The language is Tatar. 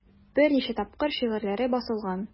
Берничә тапкыр шигырьләре басылган.